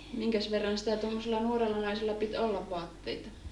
minkäs verran sitä tuommoisella nuorella naisella piti olla vaatteita